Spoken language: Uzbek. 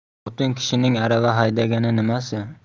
xotin kishining arava haydagani nimasi